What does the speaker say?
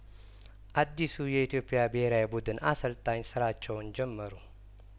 አዲሱ የኢትዮፕያብሄራዊ ቡድን አሰልጣኝ ስራቸውን ጀመሩ